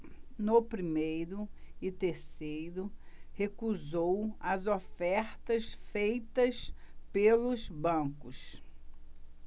no primeiro e terceiro recusou as ofertas feitas pelos bancos